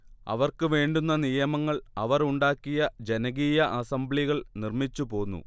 അവർക്ക് വേണ്ടുന്ന നിയമങ്ങൾ അവർ ഉണ്ടാക്കിയ ജനകീയ അസംബ്ലികൾ നിർമ്മിച്ചു പോന്നു